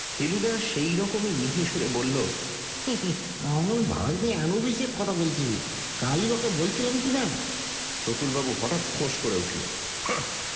ফেলুদা সেই রকমই মিহি সুরে বললেন হেঁ হেঁ আমার ভাগনে আনুবিসের কথা বলছে কালই ওকে বলছিলাম কিনা প্রতুলবাবু হঠাৎ ফোঁস করে উঠলেন হু